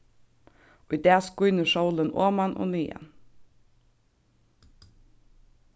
í dag skínur sólin oman og niðan